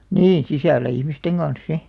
niin sisällä ihmisten kanssa sitten